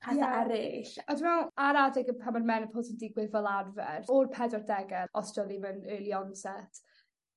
petha eryll a dwi me'wl a'r adeg yy pan ma'r menopos yn digwydd fel arfer o'r pedwar dege os 'di o ddim yn early onset